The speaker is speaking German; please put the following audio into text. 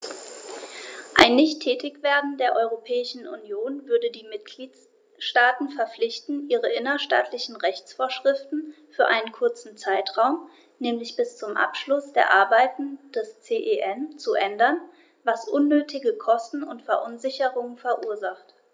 Ein Nichttätigwerden der Europäischen Union würde die Mitgliedstaten verpflichten, ihre innerstaatlichen Rechtsvorschriften für einen kurzen Zeitraum, nämlich bis zum Abschluss der Arbeiten des CEN, zu ändern, was unnötige Kosten und Verunsicherungen verursacht.